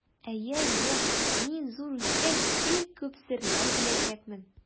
Әйе, әйе, мин, зур үскәч, бик күп серләр беләчәкмен.